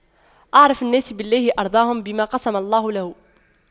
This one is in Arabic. أعرف الناس بالله أرضاهم بما قسم الله له